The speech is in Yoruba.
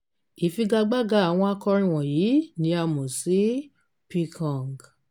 Ìfigagbága àwọn akọrin wọ̀nyí ni a mọ̀ sí "picong".